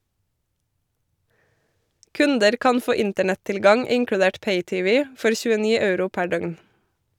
Kunder kan få internett-tilgang inkludert pay-tv for 29 euro per døgn.